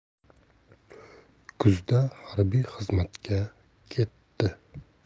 kuzda harbiy xizmatga ketdi